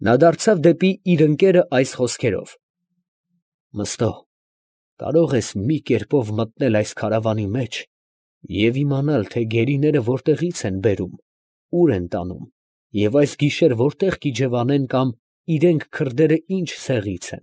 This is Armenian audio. Նա դարձավ դեպի իր ընկերը այս խոսքերով. ֊ Կարո՞ղ ես, Մըստո, մի կերպով մտնել այս քարավանի մեջ և իմանալ, թե գերիները ո՞րտեղից են բերում, ուր են տանում և այս գիշեր ո՞րտեղ կիջևանեն կամ իրանք քրդերը ի՞նչ ցեղից։